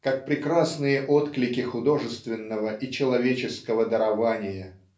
как прекрасные отклики художественного и человеческого дарования.